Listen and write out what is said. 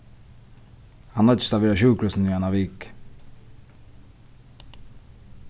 hann noyddist at vera á sjúkrahúsinum í eina viku